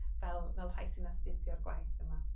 Fel fel rhai sy'n astudio'r gwaith yma.